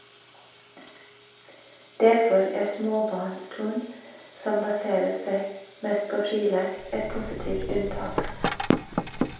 Derfor er småbarnsturn - som baserer seg mest på fri lek - et positivt unntak.